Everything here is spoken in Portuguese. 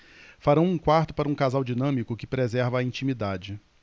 farão um quarto para um casal dinâmico que preserva a intimidade